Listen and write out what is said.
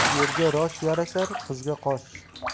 yerga rosh yarashar qizga qosh